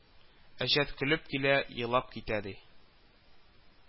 Әҗәт көлеп килә, елап китә, ди